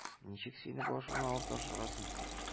Ничек сине башымнан алып ташларга соң?